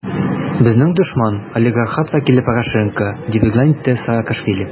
Безнең дошман - олигархат вәкиле Порошенко, - дип игълан итте Саакашвили.